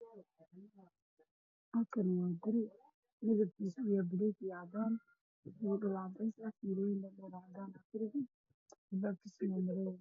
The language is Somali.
Halkani waa guri weyn oo midabkiisu yahay caddaan midow